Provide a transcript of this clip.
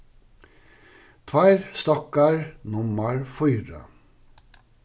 tveir stokkar nummar fýra